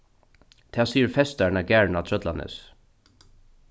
tað sigur festarin á garðinum á trøllanesi